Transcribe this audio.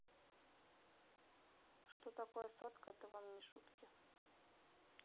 что такое сотка это вам не шутки